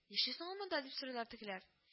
Нишли соң ул монда, дип сорыйлар тегеләр